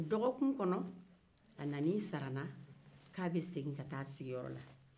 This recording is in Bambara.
o dɔgɔkun kɔnɔ a nana i sara n na k'a bɛna taa a sigiyɔrɔ la